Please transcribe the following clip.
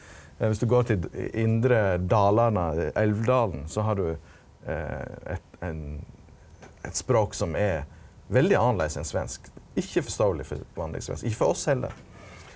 viss du går til indre Dalarna Elvdalen so har du eit ein eit språk som er veldig annleis enn svensk ikkje forståeleg for vanlege ikkje for oss heller.